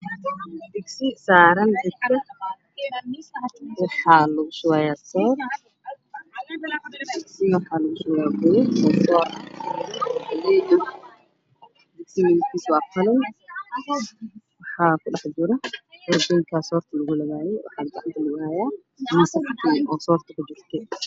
Distisaaran girgire waxaa lagu shubayaa soof